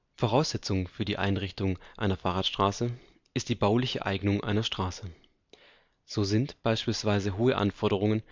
Voraussetzung für die Einrichtung einer Fahrradstraße ist die bauliche Eignung einer Straße. So sind beispielsweise hohe Anforderungen